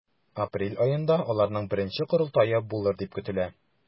Апрель аенда аларның беренче корылтае булыр дип көтелә.